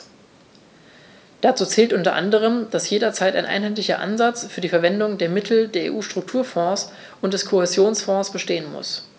Dazu zählt u. a., dass jederzeit ein einheitlicher Ansatz für die Verwendung der Mittel der EU-Strukturfonds und des Kohäsionsfonds bestehen muss.